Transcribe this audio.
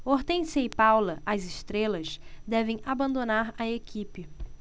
hortência e paula as estrelas devem abandonar a equipe